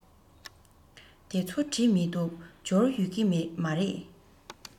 དེ ཚོ བྲིས མི འདུག འབྱོར ཡོད ཀྱི མ རེད